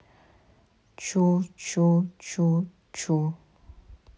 чу чу чу чу